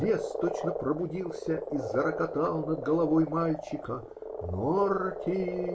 Лес точно пробудился и зарокотал над головой мальчика. -- Норти!